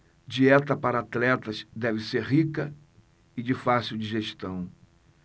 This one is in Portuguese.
dieta para atletas deve ser rica e de fácil digestão